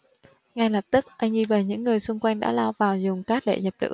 ngay lập tức anh duy và những người xung quanh đã lao vào dùng cát để dập lửa